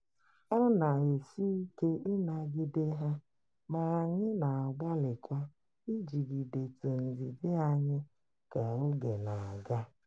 Ọ na-esi ike ịnagide ha ma anyị na-agbalikwa ijigidetụ ndidi anyị ka oge na-aga.